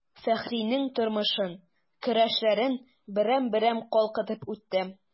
Фәхринең тормышын, көрәшләрен берәм-берәм калкытып үтте.